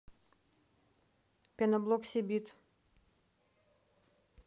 пеноблок сибит